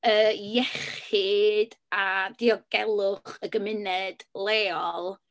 yy, iechyd a diogelwch y gymuned leol.